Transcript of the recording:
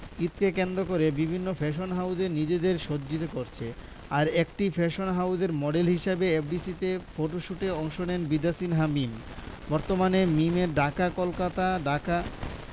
ঈদকে কেন্দ্র করে বিভিন্ন ফ্যাশন হাউজে নিজেদের সজ্জিত করছে আর একটি ফ্যাশন হাউজের মডেল হিসেবে এফডিসিতে ফটোশ্যুটে অংশ নেন বিদ্যা সিনহা মীম বর্তমানে মিমের ঢাকা কলকাতা ঢাকা